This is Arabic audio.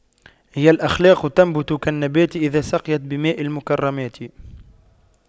هي الأخلاق تنبت كالنبات إذا سقيت بماء المكرمات